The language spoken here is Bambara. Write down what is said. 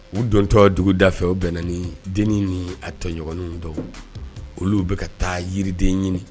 U dontɔ duguda fɛ u bɛnna ni den ni a tɔɲɔgɔninw dɔ olu bɛ ka taa yiriden ɲini